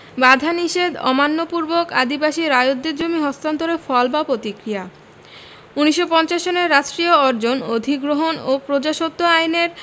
বাধানিষেধ অমান্য পূর্বক আদিবাসী রায়তদের জমি হস্তান্তরের ফল বা প্রতিক্রিয়া ১৯৫০ সনের রাষ্ট্রীয় অর্জন অধিগ্রহণ ও প্রজাস্বত্ব আইনের